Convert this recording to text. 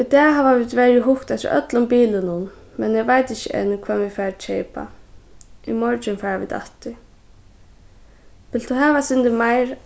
í dag hava vit verið og hugt eftir øllum bilunum men eg veit ikki enn hvønn vit fara at keypa í morgin fara vit aftur vilt tú hava eitt sindur meir